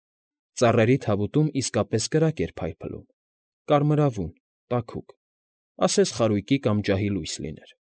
Ծառերի թավուտում իսկապես կրակ էր փյլփլում՝ կարմրավուն, տաքուկ, ասես խարույկի կամ ջահի լույս լիներ։